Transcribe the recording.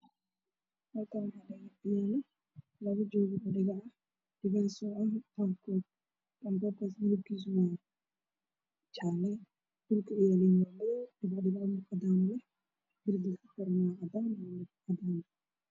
Halkaan waxaa yaalo labo joog oo dhago ah midabkiisu waa jaale dhulkana waa cadaan darbiguna Waa cadaan.